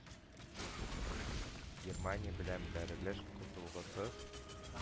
Германия белән бәрелеш котылгысыз